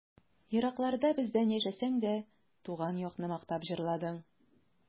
Еракларда бездән яшәсәң дә, Туган якны мактап җырладың.